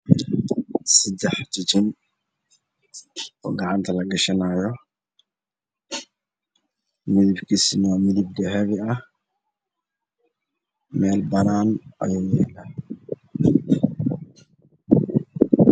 Sedex jijin oo gacanta lagasganaayo